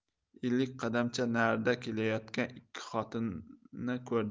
ellik qadamcha narida kelayotgan ikki xotinni ko'rdim